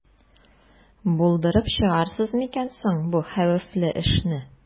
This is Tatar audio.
Булдырып чыгарсыз микән соң бу хәвефле эшне?